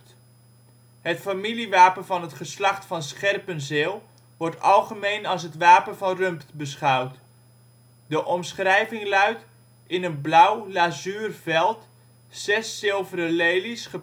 familiewapen van het geslacht Van Scherpenzeel wordt algemeen als het wapen van Rumpt beschouwd. De omschrijving luidt: in een blauw (lazuur) veld, zes zilveren lelies